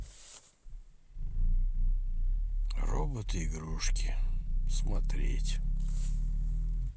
роботы игрушки смотреть